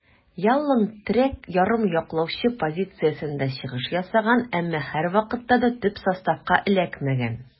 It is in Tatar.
Ялланн терәк ярым яклаучы позициясендә чыгыш ясаган, әмма һәрвакытта да төп составка эләкмәгән.